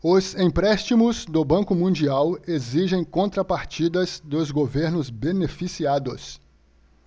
os empréstimos do banco mundial exigem contrapartidas dos governos beneficiados